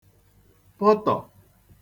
pọtọ̀